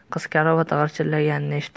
qiz karavot g'irchillaganini eshitib